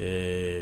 Ɛɛ